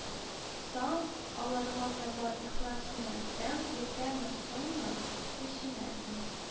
Саң, аларга таба ихлас юнәлсәң, иртәме-соңмы төшенәсең: